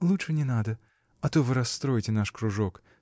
— Лучше не надо, а то вы расстроите наш кружок.